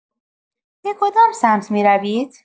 به کدام سمت می‌روید؟